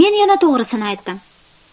men yana to'g'risini aytdim